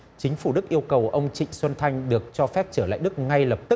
chính phủ đức yêu cầu ông trịnh xuân thanh được cho phép trở lại đức ngay lập